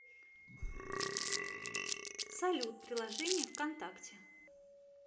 салют приложение вконтакте